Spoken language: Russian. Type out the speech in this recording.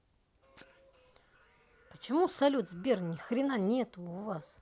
почему салют сбер ни хрена нету у вас